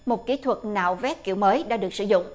một kỹ thuật nạo vét kiểu mới đã được sử dụng